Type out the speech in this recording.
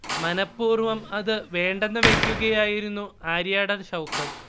മനപ്പൂർവ്വം അത് വേണ്ടെന്ന് വയ്ക്കുകയായിരുന്നു ആര്യാടൻ ഷൗക്കത്ത്